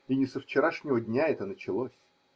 И не со вчерашнего дня это началось.